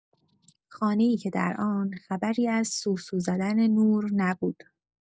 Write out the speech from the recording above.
خانه‌ای که در آن خبری از سوسو زدن نور نبود.